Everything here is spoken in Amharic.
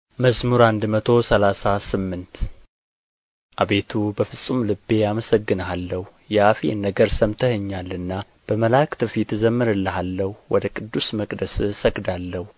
መዝሙር መቶ ሰላሳ ስምንት አቤቱ በፍጹም ልቤ አመሰግንሃለሁ የአፌን ነገር ሰምተኸኛልና በመላእክት ፊት እዘምርልሃለሁ ወደ ቅዱስ መቅደስህ እሰግዳለሁ